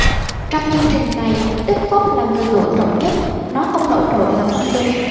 trong chương trình này đức phúc là người nổi trội nhất nói không nổi trội là không đúng